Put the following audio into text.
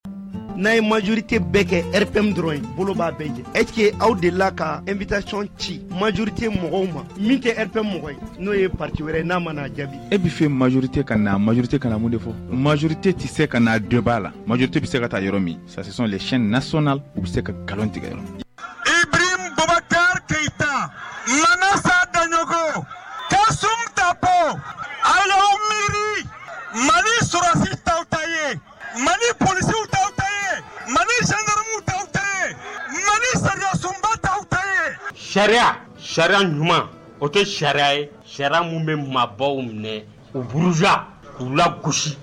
N'a ye majori bɛ kɛ p dɔrɔn bolo bɛ jɛ eti aw de la k ka e bɛc ci majrite mɔgɔw ma min kɛ p ye n'o ye pati wɛrɛ ye n'a mana jaabi e bɛ fɛ majrite ka majurute kana mun de fɔ majurute tɛ se ka dɔbaa la maj bɛ se ka taa yɔrɔ min sasi nason u bɛ se ka nkalon tigɛ e bɛ ta ma sata sunta ala mi mali ssi ta ma p saka ma sa sunba sariya sariya ɲuman o kɛ sariya ye sariya minnu bɛ mabɔbaww minɛ u buruz u la gosi